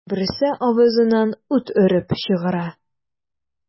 Берсе авызыннан ут өреп чыгара.